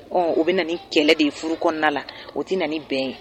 Ɔ o bɛ na nin kɛlɛ de ye furu kɔnɔna na o tɛ na bɛn ye